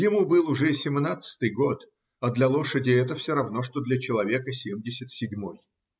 ему был уже семнадцатый год, а для лошади это все равно что для человека семьдесят седьмой.